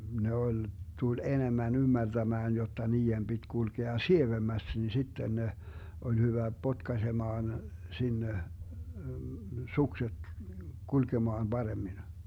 ne oli tuli enemmän ymmärtämään jotta niiden piti kulkea sievemmästi niin sitten ne oli hyvä potkaisemaan sinne sukset kulkemaan paremmin